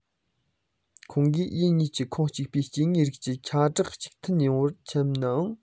ཁོང གིས ཡུལ གཉིས ཀྱི ཁོངས གཅིག པའི སྐྱེ དངོས རིགས ཀྱི ཁ གྲངས གཅིག མཐུན ཡིན པ མཁྱེན ནའང